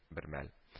Бермәл